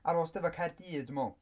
Ar ôl 'Steddfod Caerdydd dwi'n meddwl.